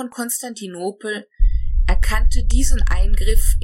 Konstantinopel erkannte diesen Eingriff